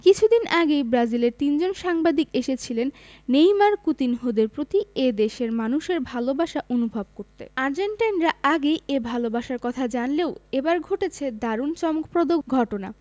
কিছুদিন আগেই ব্রাজিলের তিনজন সাংবাদিক এসেছিলেন নেইমার কুতিনহোদের প্রতি এ দেশের মানুষের ভালোবাসা অনুভব করতে আর্জেন্টাইনরা আগেই এই ভালোবাসার কথা জানলেও এবার ঘটেছে দারুণ চমকপ্রদ ঘটনা